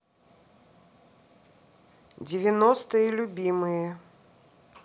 девяностые любимые